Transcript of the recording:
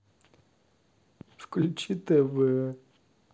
включи тв